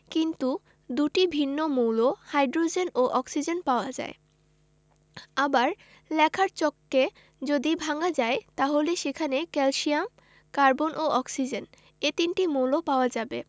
কিন্তু দুটি ভিন্ন মৌল হাইড্রোজেন ও অক্সিজেন পাওয়া যায় আবার লেখার চককে যদি ভাঙা যায় তাহলে সেখানে ক্যালসিয়াম কার্বন ও অক্সিজেন এ তিনটি মৌল পাওয়া যাবে